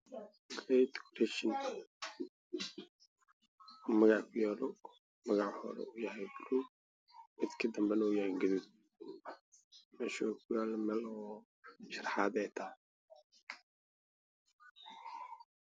Meeshaan waxaa iiga muuqato boor darbi ku dhigaan midabkiisa yahay caddaan waxaana ku qoran haldoor istayl